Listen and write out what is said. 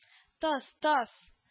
— таз, таз